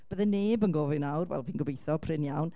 byddai neb yn gofyn nawr, wel fi'n gobeitho, prin iawn.